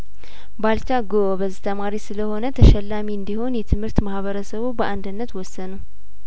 ባልቻ ጐበዝ ተማሪ ስለሆነ ተሸላሚ እንዲሆን የትምህርት ማህበረሰቡ በአንድነት ወሰኑ